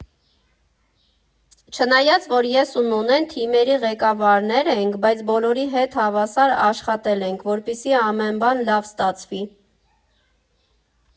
Չնայած որ ես ու Նանեն թիմերի ղեկավարներն ենք, բայց բոլորի հետ հավասար աշխատել ենք, որպեսզի ամեն բան լավ ստացվի։